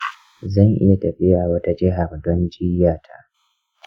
zan iya tafiya wata jihar don jiyya ta?